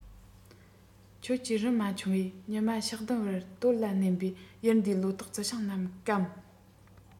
ཁྱིད ཀྱི རིན མ འཁྱོངས བས ཉི མ ཞག བདུན བར སྟོད ལ མནན པས ཡུལ འདིའི ལོ ཏོག རྩི ཤིང རྣམས བསྐམས